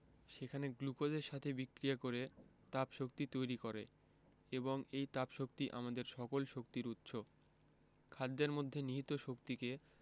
সেখানে গ্লুকোজের সাথে বিক্রিয়া করে তাপশক্তি তৈরি করে এবং এই তাপশক্তি আমাদের সকল শক্তির উৎস খাদ্যের মধ্যে নিহিত শক্তিকে